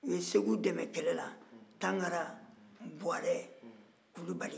u ye segu dɛmɛ kɛlɛ la tangara buwarɛ kulubali